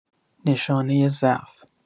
نشانۀ ضعف